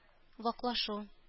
Ваклашу